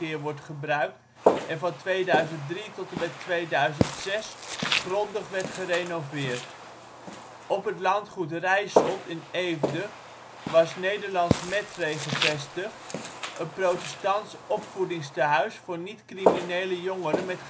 wordt gebruikt en van 2003 tot en met 2006 grondig werd gerenoveerd. Op het landgoed Rijsselt in Eefde was Nederlandsch Mettray gevestigd, een protestants opvoedingstehuis voor niet-criminele jongeren met